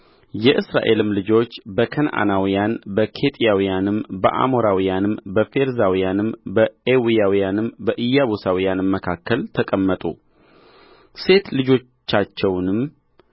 የእስራኤልም ልጆች በከነዓናውያን በኬጢያውያንም በአሞራውያንም በፌርዛውያንም በኤዊያውያንም በኢያቡሳውያንም መካከል ተቀመጡ ሴት ልጆቻቸውንም